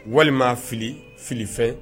Walima fili filifɛn